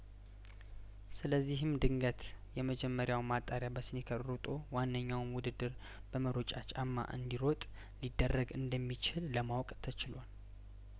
ስለዚህም ድንገት የመጀመሪያው ማጣሪያ በስኒከር ሮጦ ዋነኛውን ውድድር በመሮጫ ጫማ እንዲ ሮጥ ሊደረግ እንደሚችል ለማወቅ ተችሏል